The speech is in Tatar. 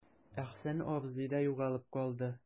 Әхсән абзый да югалып калды.